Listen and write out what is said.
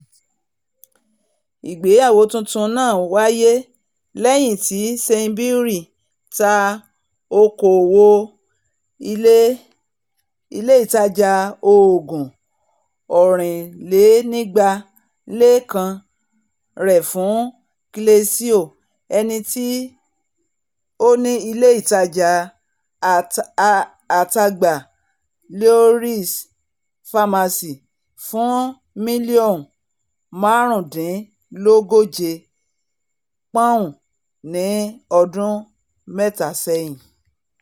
ìgbeyẹwò tuntun náà ́wáyé lẹ́yìn ti Sainsbury's ta oko-òwò ílé-ìtajà òògùn ọrìnlénigba lé kan rẹ̀ fún Celesio, ẹnití ó ni ilé ìtajà alátagbà Lloyds Pharmacy, fún miliọnu máàrúndínlọ́gojè pọ́ùn, ni ọ́dún mẹ́ta sẹ́yìn.